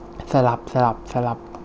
สลับสลับสลับ